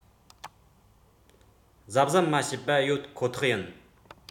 གཟབ གཟབ མ བྱས པ ཡོད ཁོ ཐག ཡིན